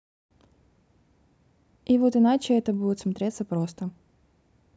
и вот иначе это будет смотреться просто